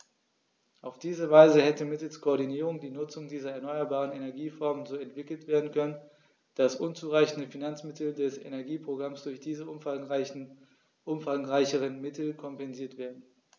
Auf diese Weise hätte mittels Koordinierung die Nutzung dieser erneuerbaren Energieformen so entwickelt werden können, dass unzureichende Finanzmittel des Energieprogramms durch diese umfangreicheren Mittel kompensiert werden.